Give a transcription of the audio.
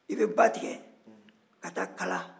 i bɛ ba tigɛ ka taa kala